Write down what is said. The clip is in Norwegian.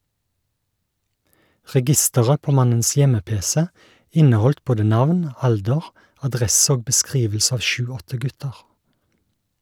Registeret på mannens hjemme-pc inneholdt både navn, alder, adresse og beskrivelse av sju-åtte gutter.